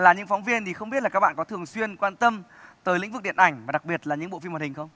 là những phóng viên thì không biết là các bạn có thường xuyên quan tâm tới lĩnh vực điện ảnh và đặc biệt là những bộ phim hoạt hình không